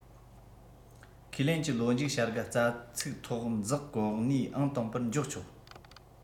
ཁས ལེན གྱི ལོ མཇུག བྱ དགའ རྩ ཚིག ཐོག འཛེགས གོ གནས ཨང དང པོར འཇོག ཆོག